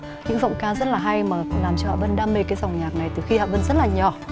những giọng ca rất là hay mà làm cho hạ vân đam mê cái dòng nhạc này từ khi hạ vân rất là nhỏ